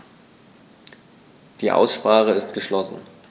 Die Aussprache ist geschlossen.